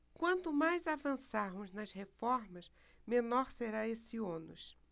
quanto mais avançarmos nas reformas menor será esse ônus